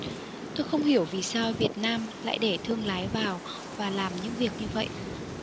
tôi không hiểu vì sao việt nam lại để thương lái vào và làm những việc như vậy